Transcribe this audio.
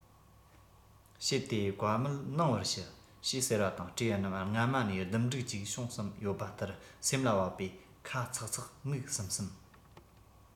བྱེད དེ བཀའ མོལ གནང བར ཞུ ཞེས ཟེར བ དང སྤྲེའུ རྣམས སྔ མ ནས སྡུམ འགྲིག ཅིག བྱུང བསམ ཡོད པ ལྟར སེམས ལ བབས པས ཁ ཚེག ཚེག མིག ཟུམ ཟུམ